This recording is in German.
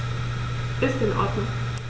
Ist in Ordnung.